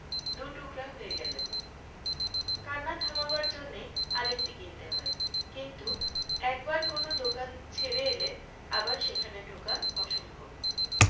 দু'টুকরা হয়ে গেলেন কান্না থামাবার জন্যে আরেকটি কিনতে হয় কিন্তু একবার কোন দোকান ছেড়ে এলে আবার সেখানে ঢোকা অসম্ভব